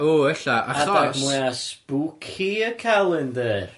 Ww ella achos... Adeg mwya spooky y calender?